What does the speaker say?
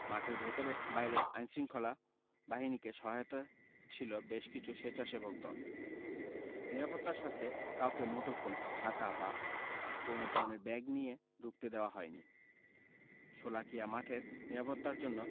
মাঠের ভেতরে বাইরে আইনশৃঙ্খলা বাহিনীকে সহায়তায় ছিল বেশ কিছু স্বেচ্ছাসেবক দল নিরাপত্তার স্বার্থে কাউকে মুঠোফোন ছাতা বা কোনো ধরনের ব্যাগ নিয়ে ঢুকতে দেওয়া হয়নি শোলাকিয়া মাঠের নিরাপত্তার জন্য